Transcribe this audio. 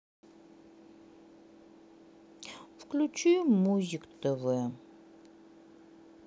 включи музик тв